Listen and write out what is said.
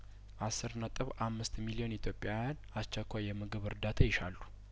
አስር ነጥብ አምስት ሚሊዮን ኢትዮጵያውያን አስቸኳይየምግብ እርዳታ ይሻሉ